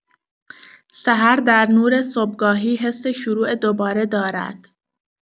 سحر در نور صبحگاهی حس شروع دوباره دارد.